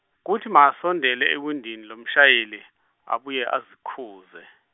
kuthi makasondele ewindini lomshayeli, abuye azikhuze.